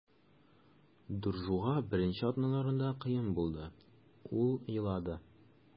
Доржуга беренче атналарда кыен булды, ул елады.